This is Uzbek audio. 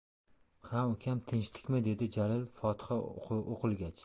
ha ukam tinchlikmi dedi jalil fotiha o'qilgach